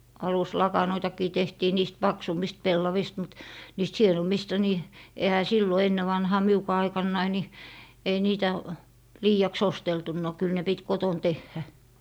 aluslakanoitakin tehtiin niistä paksummista pellavista mutta niistä hienommista niin eihän silloin ennen vanhaan minunkaan aikanani niin ei niitä liiaksi osteltu kyllä ne piti kotona tehdä